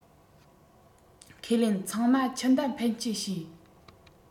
ཁས ལེན ཚང མ ཆུ མདའ འཕེན སྤྱད བྱས